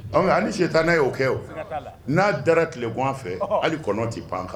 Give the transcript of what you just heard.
Ɔngɛ hali sitanɛ y'o kɛ o, siga t'a la, n'a dara tilegan fɛ, ɔhɔ, hali kɔnɔ tɛ pan a kan